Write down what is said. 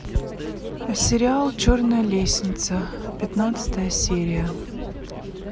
сериал черная лестница пятнадцатая серия